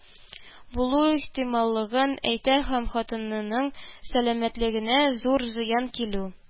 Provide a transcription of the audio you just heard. Булу ихтималлыгын әйтә һәм хатынының сәламәтлегенә зур зыян килү